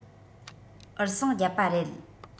འུར ཟིང བརྒྱབ པ རེད